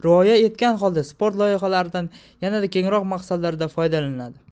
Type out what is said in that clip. holda sport loyihalaridan yanada kengroq maqsadlarda foydalanadi